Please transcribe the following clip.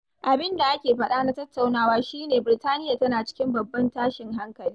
Abin da ake faɗa na tattaunawa shi ne Birtaniyya tana cikin babban tashin hankali.